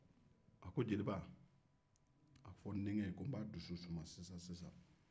a ko jeliba a fɔ n'denkɛ ko n'bɛ dusu suma sisan sisan